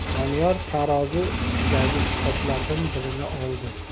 doniyor tarozi ustidagi qoplardan birini oldi